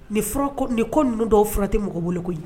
Nin fura ko, nin ko ninnu dɔw fura tɛ mɔgɔ bolo koyi